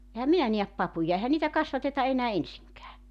enhän minä näe papuja eihän niitä kasvateta enää ensinkään